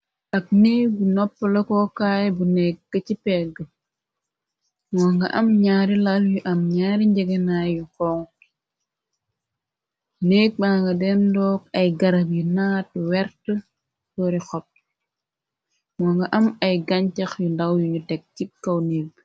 Ak neek bu noppa la kookaay bu nekk ci pegg moo nga am ñaari lal yu am ñaari njegenaa yu xon néek ma nga den ndook ay garab yi naat wert tory xop moo nga am ay gañcax yu ndaw yuñu teg ci kaw nébb.